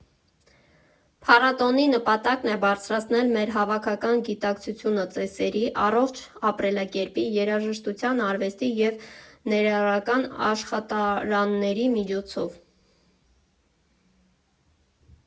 Փառատոնի նպատակն է բարձրացնել մեր հավաքական գիտակցությունը ծեսերի, առողջ ապրելակերպի, երաժշտության, արվեստի և ներառական աշխատարանների միջոցով։